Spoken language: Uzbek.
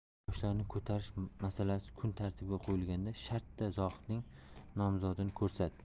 yoshlarni ko'tarish masalasi kun tartibiga qo'yilganda shartta zohidning nomzodini ko'rsatdi